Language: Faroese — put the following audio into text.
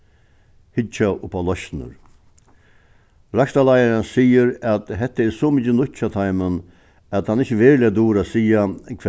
hyggja upp á loysnir rakstrarleiðarin sigur at hetta er so mikið nýtt hjá teimum at hann ikki veruliga dugir at siga